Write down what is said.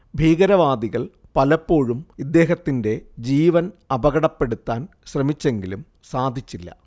ഭീകരവാദികൾ പലപ്പോഴും ഇദ്ദേഹത്തിന്റെ ജീവൻ അപകടപ്പെടുത്താൻ ശ്രമിച്ചെങ്കിലും സാധിച്ചില്ല